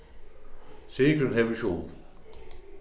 sigrun hevur ikki hug